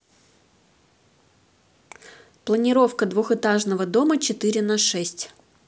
планировка двухэтажного дома четыре на шесть